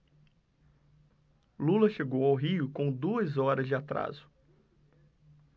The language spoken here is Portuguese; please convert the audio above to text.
lula chegou ao rio com duas horas de atraso